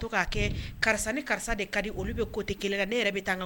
Karisa ni karisa olu tɛ kelen